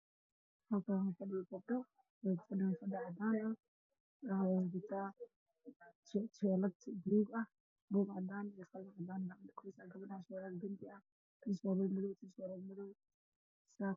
Waa gabdho ku fadhiyaan kuraas cadaan oo qabaan taroxado guduud iyo cagaar ah madow ah